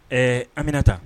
Ɛɛ Aminata